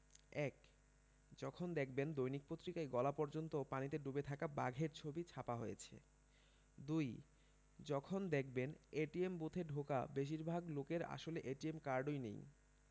১. যখন দেখবেন দৈনিক পত্রিকায় গলা পর্যন্ত পানিতে ডুবে থাকা বাঘের ছবি ছাপা হয়েছে ২. যখন দেখবেন এটিএম বুথে ঢোকা বেশির ভাগ লোকের আসলে এটিএম কার্ডই নেই